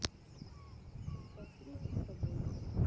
до встречи с тобой